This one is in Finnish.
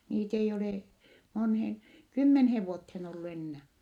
niitä ei ole moneen kymmeneen vuoteen ollut enää